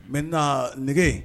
Maintenant nɛgɛ